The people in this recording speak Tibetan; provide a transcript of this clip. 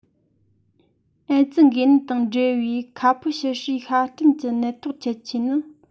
ཨེ ཙི འགོས ནད དང འབྲེལ བའི ཁ པོ ཞི ཧྲིའི ཤ སྐྲན གྱི ནད ཐོག ཁྱད ཆོས ནི